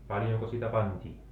paljonko sitä pantiin